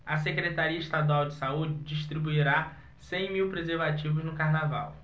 a secretaria estadual de saúde distribuirá cem mil preservativos no carnaval